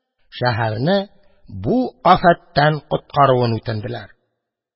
Шәһәрне бу афәттән коткаруын үтенделәр.